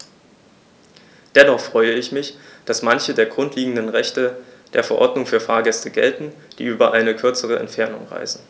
Dennoch freue ich mich, dass manche der grundlegenden Rechte der Verordnung für Fahrgäste gelten, die über eine kürzere Entfernung reisen.